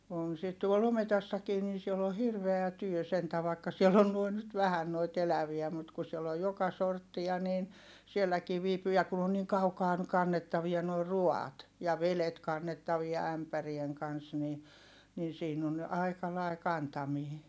on sitä tuolla ometassakin niin siellä on hirveä työ sentään vaikka siellä on noin nyt vähän noita eläviä mutta kun siellä on joka sorttia niin sielläkin viipyy ja kun on niin kaukaa kannettavia nuo ruuat ja vedet kannettavia ämpärien kanssa niin niin siinä on aika lainen kantaminen